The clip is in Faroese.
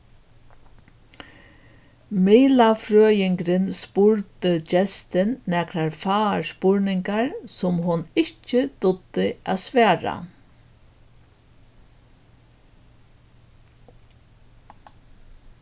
miðlafrøðingurin spurdi gestin nakrar fáar spurningar sum hon ikki dugdi at svara